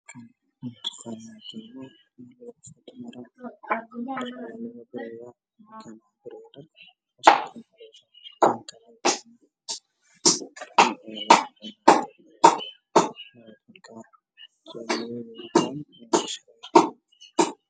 Waa nin iyo labo naagood labada naag waxey xiran yihiin dhar madow ah